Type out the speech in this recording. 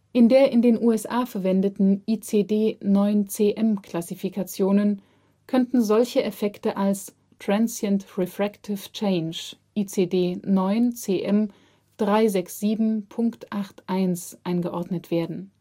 In der in den USA verwendeten ICD-9-CM Klassifikation könnten solche Effekte als Transient refractive change (ICD-9-CM 367.81) eingeordnet werden